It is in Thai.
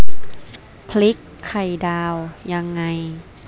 พลิกไข่ดาวยังไง